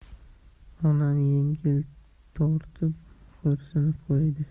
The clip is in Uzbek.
onam yengil tortib xo'rsinib qo'ydi